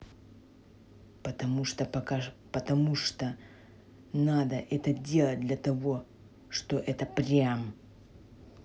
потому что пока потому что надо это делать для того что это прям